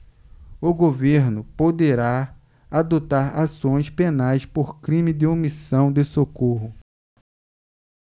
o governo poderá adotar ações penais por crime de omissão de socorro